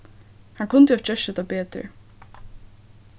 hann kundi havt gjørt hatta betur